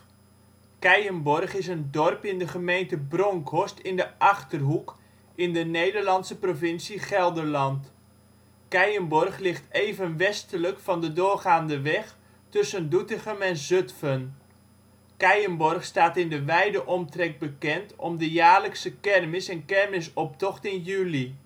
keijdarp) is een dorp in de gemeente Bronckhorst in de Gelderse Achterhoek, provincie Gelderland (Nederland). Keijenborg ligt even westelijk van de doorgaande weg tussen Doetinchem en Zutphen. Keijenborg staat in de wijde omtrek bekend om de jaarlijkse kermis en kermisoptocht in juli